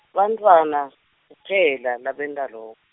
bantfwana kuphela labenta lo-.